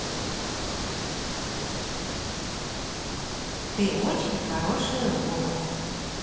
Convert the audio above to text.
ты очень хороший робот